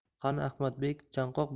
qani ahmadbek chan qoq